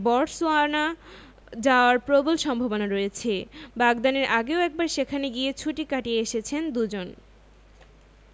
Botswana যাওয়ার প্রবল সম্ভাবনা রয়েছে বাগদানের আগেও একবার সেখানে গিয়ে ছুটি কাটিয়ে এসেছেন দুজন